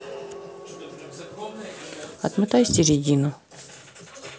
отмотай середину